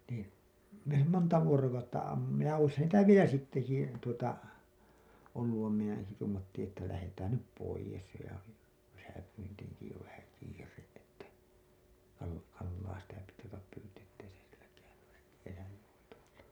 niin mehän monta vuorokautta ammuimme ja olisihan niitä vielä sittenkin - tuota ollut vaan minä en se tuumattiin että lähdetään nyt pois jo ja - kesäpyyntiinkin jo vähän kiire että - kalaa sitä piti ruveta pyytämään sitten